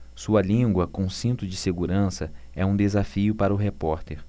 sua língua com cinto de segurança é um desafio para o repórter